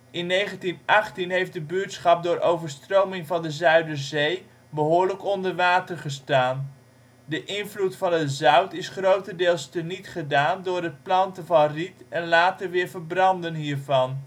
In 1918 heeft de buurtschap door overstroming van de Zuiderzee behoorlijk onder water gestaan. De invloed van het zout is grotendeels tenietgedaan door het planten van riet en later weer verbranden hiervan